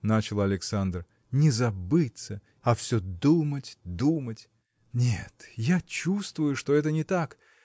– начал Александр, – не забыться, а все думать, думать. нет, я чувствую, что это не так!